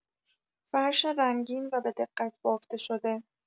فرش رنگین و به‌دقت بافته‌شده